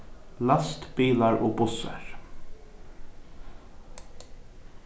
lastbilar og bussar